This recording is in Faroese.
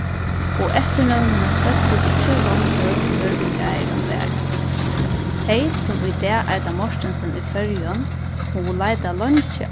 og eftirnøvnini søgdu ikki longur hvør ið faðirin var tey sum í dag eita mortensen í føroyum mugu leita leingi